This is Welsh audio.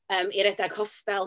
yym, i redeg hostel.